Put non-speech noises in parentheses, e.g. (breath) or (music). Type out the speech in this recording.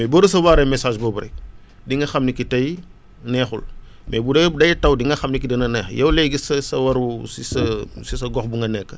mais boo recevoir message boobu rek di nga xam ne que tey neexul (breath) mais bu dee day taw di nga xam ni que dina neex yow léegi sa sa waru si sa si sa gox bi nga nekk